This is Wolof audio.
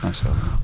macha allah